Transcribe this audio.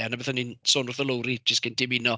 A na beth o'n ni'n sôn wrtho Lowri jyst cyn i ti ymuno.